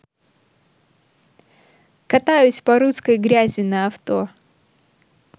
катаюсь по русской грязи на авто